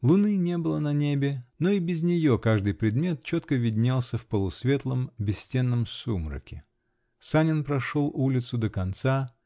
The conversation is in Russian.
Луны не было на небе, но и без нее каждый предмет четко виднелся в полусветлом, бестенном сумраке. Санин прошел улицу до конца.